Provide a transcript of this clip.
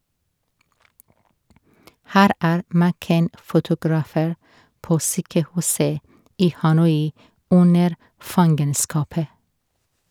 Her er McCain fotografert på sykehuset i Hanoi under fangenskapet.